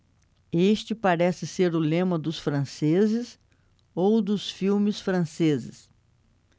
este parece ser o lema dos franceses ou dos filmes franceses